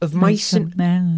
Of Mice and Men.